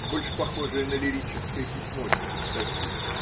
больше похожая на лирическое письмо, чем на статью.